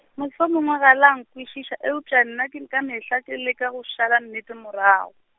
mohlomongwe ga la nkwešiša eupša nna ke ka mehla ke leka go šala nnete morago.